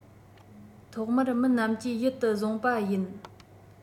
ཐོག མར མི རྣམས ཀྱིས ཡིད དུ བཟུང པ ཡིན